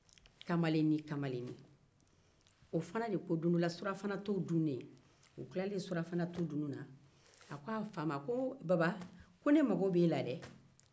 don dɔ la u tilalen surafana to dunni la a ko baba ne mago b'e la